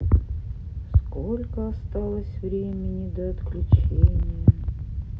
сколько осталось времени до отключения